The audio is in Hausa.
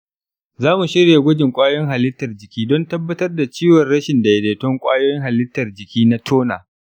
za mu shirya gwajin kwayoyin halittar jiki don tabbatar da ciwon rashin daidaiton kwayoyin halittar jiki na turner.